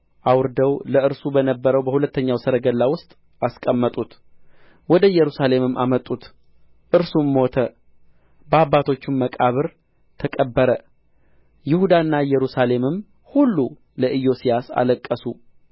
አውርደው ለእርሱ በነበረው በሁለተኛው ሰረገላ ውስጥ አስቀመጡት ወደ ኢየሩሳሌምም አመጡት እርሱም ሞተ በአባቶቹም መቃብር ተቀበረ ይሁዳና ኢየሩሳሌምም ሁሉ ለኢዮስያስ አለቀሱ